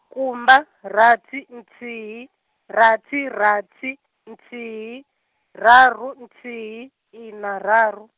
kumba, rathi nthihi, rathi rathi, nthihi, raru nthihi, ina raru.